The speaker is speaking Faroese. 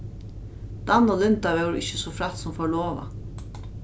dan og linda vóru ikki so frægt sum forlovað